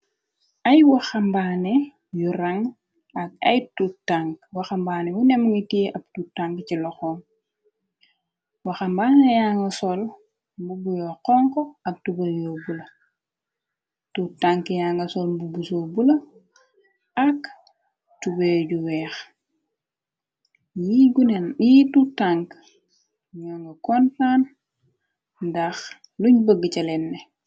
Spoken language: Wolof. Ay waxambaane yu rang ak ay tutank waxambaane mu nemu ngitie ab tutank ci loxoom waxambaane yanga sol mbu buyo xonko ak tuberyo bula tutank yanga sol mbu buso bula ak tube ju weex yi tutank ñoo nga kontaan ndax luñ bëgg ca lenne.